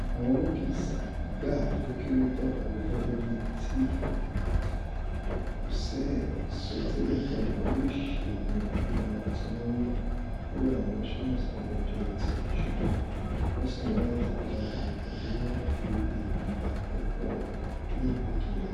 Àwọn Rockies gba ó kéré tán ọ̀gangan-ibi tí kòṣeé sọtẹ́lẹ̀ kan pẹ̀lú ìṣẹ́gun kan tíwọ́n ní lórí Àwọn Nationals lálẹ̵́ ọjọ́ Ẹtì, ṣùgbọ́n wọ́n sí ńwá láti pa ìlẹ̀kùn dé mọ oyè àkọ́kọ́ wọn ní ìpín ìkínní.